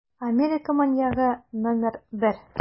Америка маньягы № 1